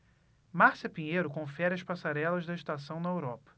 márcia pinheiro confere as passarelas da estação na europa